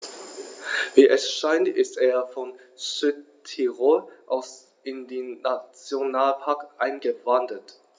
Wie es scheint, ist er von Südtirol aus in den Nationalpark eingewandert.